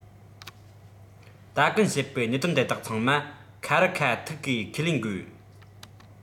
ད གིན བཤད པའི གནད དོན དེ དག ཚང མ ཁ རི ཁ ཐུག གིས ཁས ལེན དགོས